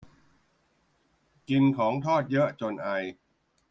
กินของทอดเยอะจนไอ